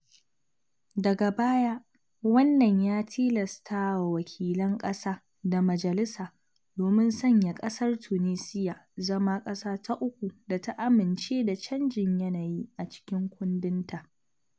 Daga baya wannan ya tilasta wa wakilan ƙasa da majalisa domin sanya ƙasar Tunisiya zama ƙasa ta uku da ta amince da canjin yanayi a cikin kundinta.